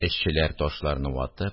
Эшчеләр ташларны ватып